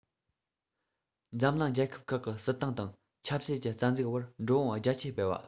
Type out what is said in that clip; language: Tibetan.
འཛམ གླིང རྒྱལ ཁབ ཁག གི སྲིད ཏང དང ཆབ སྲིད ཀྱི རྩ འཛུགས བར འགྲོ འོང རྒྱ ཆེ སྤེལ བ